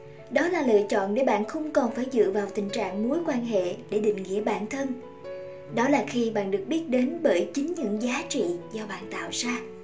đó là lựa chọn để bạn không còn phải dựa vào tình trạng mối quan hệ để định nghĩa bản thân đó là khi bạn được biết đến bởi chính những giá trị do bạn tạo ra